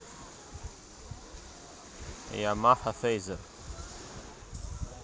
yamaha fazer